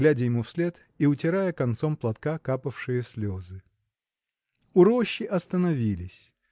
глядя ему вслед и утирая концом платка капавшие слезы. У рощи остановились.